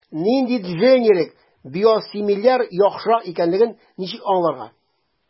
Нинди дженерик/биосимиляр яхшырак икәнлеген ничек аңларга?